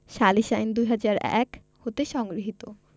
সালিস আইন ২০০১ হতে সংগৃহীত